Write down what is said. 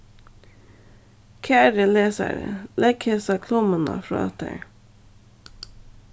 kæri lesari legg hesa klummuna frá tær